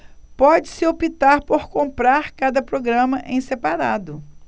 pode-se optar por comprar cada programa em separado